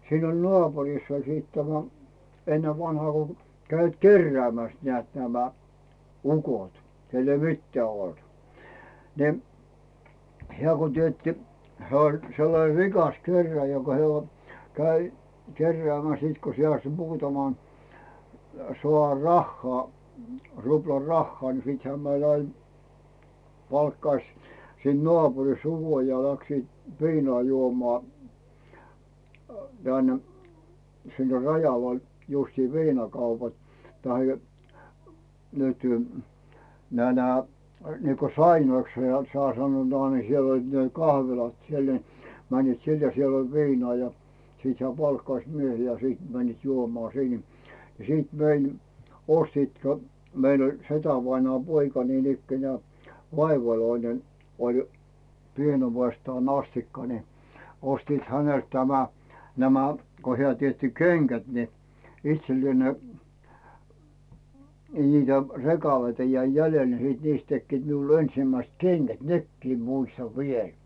siinä oli naapurissa oli sitten tämä ennen vanhaan kun kävivät keräämässä näet nämä ukot kenellä ei mitään ollut niin hän kun teetti hän oli sellainen rikas kerääjä joka - oli kävi keräämässä sitten kun se - muutaman saa rahaa ruplan rahaa niin sittenhän meillä aina palkkasi siitä naapurista ukon ja lähtivät viinaa juomaan tänne sinne Rajavalle justiin viinakaupat tai nyt nämä nämä niin kuin sainoiksi ne - sanovat niin siellä oli ne kahvilat siellä niin menivät sinne ja siellä oli viinaa ja sitten hän palkkasi miehiä ja sitten menivät juomaan sinne ja ja sitten meidän ostivat - meillä oli setävainaan poika niinikään vaivalloinen oli pienuudestaan asti niin ostivat häneltä tämä nämä kun hän teetti kengät niin itselle ne niin niitä rekaleita jäi jäljelle niin sitten niistä tekivät minulle ensimmäiset kengät nekin muistan vielä